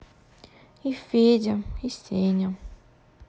и федя и сеня